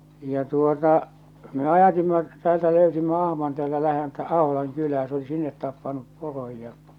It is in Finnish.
ja tuota me ajatimme täältä löysimme ahman täältä läheltä Aholan kylää se oli sinne tappanut poron ja